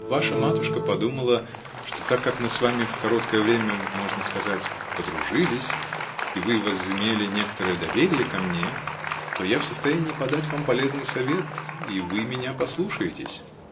Ваша матушка подумала, что так как мы с вами в короткое время, можно сказать, подружились и вы возымели некоторое доверие ко мне, то я в состоянии подать вам полезный совет -- и вы меня послушаетесь.